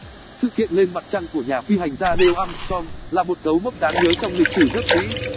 sự kiện lên mặt trăng của nhà phi hành gia neil armstrong là một dấu mốc đáng nhớ trong lịch sử nước mỹ